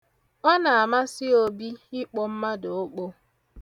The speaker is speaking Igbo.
Ọ na-amasị Obi ịkpọ mmadụ okpo.